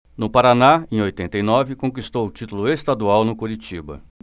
no paraná em oitenta e nove conquistou o título estadual no curitiba